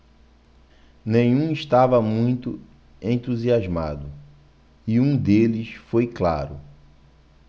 nenhum estava muito entusiasmado e um deles foi claro